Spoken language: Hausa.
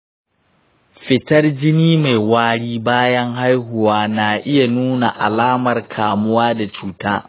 fitar jini mai wari bayan haihuwa na iya nuna alamar kamuwa da cuta